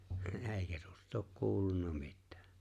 eikä tuosta ole kuulunut mitään